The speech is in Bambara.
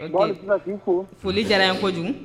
Foli diyara an ye kojugu